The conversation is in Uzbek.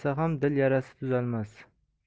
ham dil yarasi tuzalmas